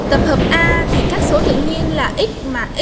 tập hợp a thì các số tự nhiên là x mà